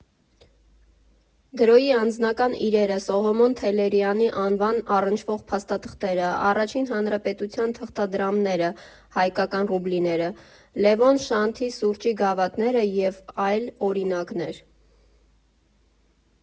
Դրոյի անձնական իրերը, Սողոմոն Թեհլերյանի անվանն առնչվող փաստաթղթերը, Առաջին հանրապետության թղթադրամները (հայկական ռուբլիները), Լևոն Շանթի սուրճի գավաթները և այլ օրինակներ։